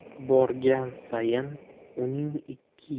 borgan sayin uning ikki